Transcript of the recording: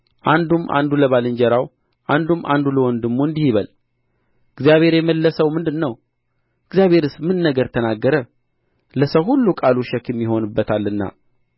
አንዱም አንዱ ለባልንጀራው አንዱም አንዱ ለወንድሙ እንዲህ ይበል እግዚአብሔር የመለሰው ምንድር ነው እግዚአብሔርስ ምን ነገር ተናገረ ለሰው ሁሉ ቃል ሸክም ይሆንበታልና